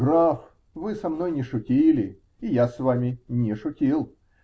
-- Граф, вы со мной не шутили, и я с вами не шутил.